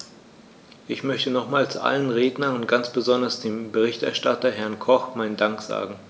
Ich möchte nochmals allen Rednern und ganz besonders dem Berichterstatter, Herrn Koch, meinen Dank sagen.